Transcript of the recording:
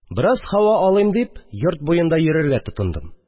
Бераз һава алым дип, йорт буенча йөрергә тотындым